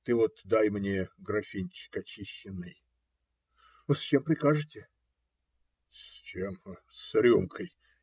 Ты вот дай мне графинчик очищенной. - С чем прикажете? - С чем? С рюмкой.